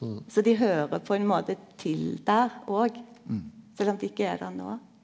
så dei høyrer på ein måte til der òg sjølv om dei ikkje er der nå.